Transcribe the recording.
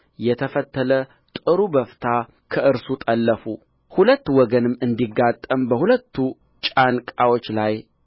የተፈተለም ጥሩ በፍታ ከእርሱ ጠለፉ ሁለቱ ወገን እንዲጋጠም በሁለቱ ጫንቃዎች ላይ